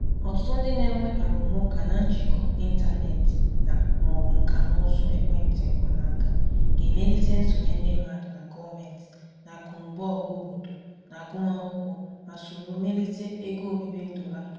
ọtụtụ ndị na-enwe arụmụụka na njikọ n'ịntanetị na/maọbụ nkànaụzụ ekwentị mkpanaaka ga-emelite nsonye ndị mmadụ na gọọmentị, n'akụnaụba ọhaobodo, n'agụmaakwụkwọ ma soro melite ogo obibindụ ha.